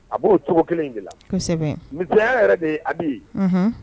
A b'o cogo kelen in de la kosɛbɛya yɛrɛ de ye a bɛ